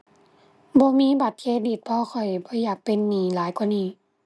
บ่มีบัตรเครดิตเพราะข้อยบ่อยากเป็นหนี้หลายกว่านี้